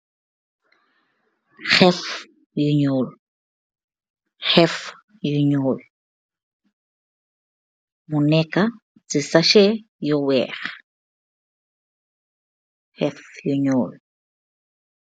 Heff yuu nyeoul .